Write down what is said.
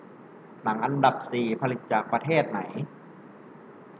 หนังอันดับสี่ผลิตจากประเทศไหน